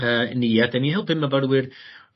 yy ni a 'dyn ni helpu myfyrwyr